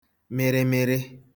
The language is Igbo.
mịrịmịrị